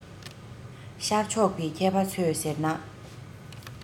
ཤར ཕྱོགས པའི མཁས པ ཚོས ཟེར ན